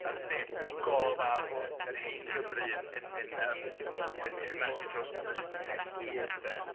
A 'di deud ryw gof am yr hen Gymry yn... yn... yn... yym yn teyrnasu dros Ynys Brydain i gyd 'de.